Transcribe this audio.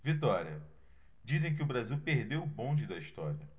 vitória dizem que o brasil perdeu o bonde da história